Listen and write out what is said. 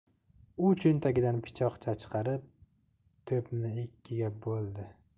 u cho'ntagidan pichoqcha chiqarib to'pni ikkiga bo'ldi